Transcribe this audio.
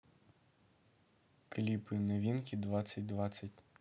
клипы новинки двадцать двадцать